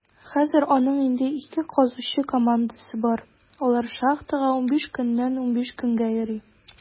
Хәзер аның инде ике казучы командасы бар; алар шахтага 15 көннән 15 көнгә йөри.